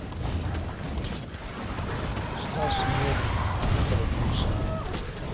стас ерник отравился